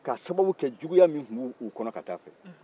k'a sababu kɛ juguya min tun b'u kɔnɔ ka taa a fɛ